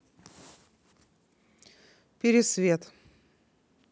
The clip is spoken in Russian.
пересвет